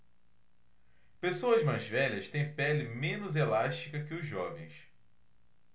pessoas mais velhas têm pele menos elástica que os jovens